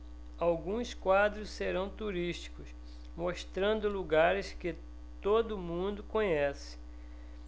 alguns quadros serão turísticos mostrando lugares que todo mundo conhece